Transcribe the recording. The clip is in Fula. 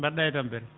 mbaɗɗa e tampere